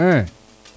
aa